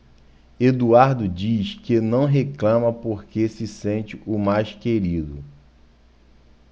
eduardo diz que não reclama porque se sente o mais querido